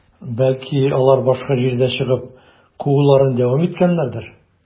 Бәлки, алар башка җирдә чыгып, кууларын дәвам иткәннәрдер?